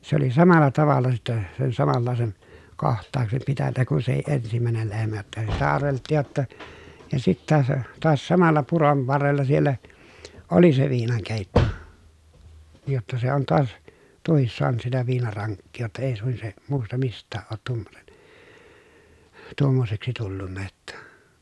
se oli samalla tavalla sitten sen samanlaisen kohtauksen pitänyt kuin sekin ensimmäinen lehmä jotta sitä arveltiin jotta ja sitten se taas samalla puron varrella siellä oli se viinankeitto jotta se on taas tuokin saanut sitä viinarankkia jotta ei suin se muusta mistään ole tuommoinen tuommoiseksi tullut jotta